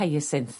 hyacinth